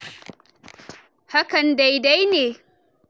Hakan daidai ne.